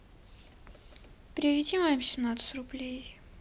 переведи маме семнадцать рублей